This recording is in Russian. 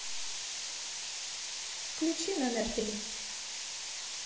включи номер три